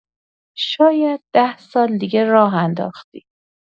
شاید ده سال دیگه راه انداختی.